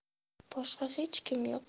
boshqa hech kim yo'q